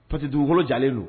Parce que dugukolo jalen don